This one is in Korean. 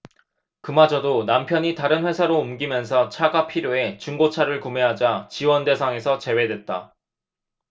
그마저도 남편이 다른 회사로 옮기면서 차가 필요해 중고차를 구매하자 지원대상에서 제외됐다